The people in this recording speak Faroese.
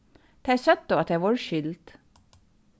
tey søgdu at tey vóru skild